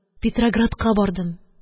Петроградка бардым